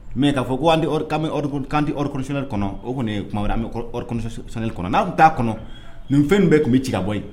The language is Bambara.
Mais k'a fɔ ko an tɛ an bɛ an tɛ ordre constitutionnelle kɔnɔ, o kɔnni ye kuma wɛrɛ ye, an bɛ ordre constitutionnelle . N'an tun t'a kɔnɔ nin fɛn in bɛɛ tun bɛ ci ka bɔ yen